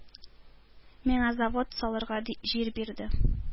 Миңа завод салырга җир бирде.